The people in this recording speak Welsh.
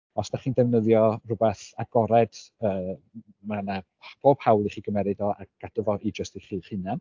Os dach chi'n defnyddio rywbeth agored yy ma' 'na p- bob hawl i chi gymeryd o a gadw fo i jyst i chi eich hunain.